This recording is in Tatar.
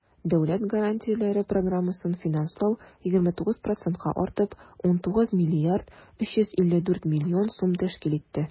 Дәүләт гарантияләре программасын финанслау 29 процентка артып, 19 млрд 354 млн сум тәшкил итте.